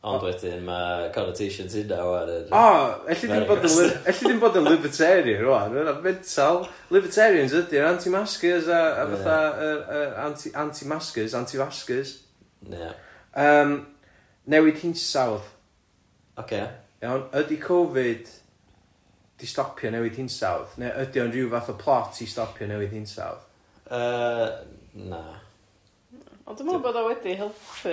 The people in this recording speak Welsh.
ond wedyn ma' connotations hynna ŵan yn... O elli di'm bod yn ly- elli di'm bod yn Libertarian rŵan ma' hynna'n mental Libertarians ydi'r anti-maskers a a fatha yy anti- anti-maskers anti-faskers... Ia ...yym newid hinsawdd. Ocê. Iawn, ydi Covid 'di stopio newid hinsawdd neu ydi o'n ryw fath o plot i stopio newid hinsawdd? Yy, na. Ond dwi'n meddwl bod o wedi helpu